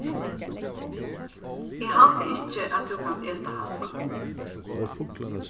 eg haldi ikki at tú kanst eta hatta